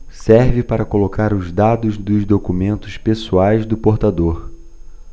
serve para colocar os dados dos documentos pessoais do portador